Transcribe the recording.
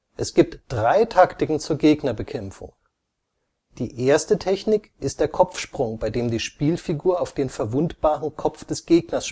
Es gibt drei Taktiken zur Gegnerbekämpfung. Die erste Technik ist der Kopfsprung, bei dem die Spielfigur auf den verwundbaren Kopf des Gegners